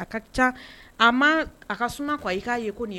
A ca a ma a ka' i k'a ye ko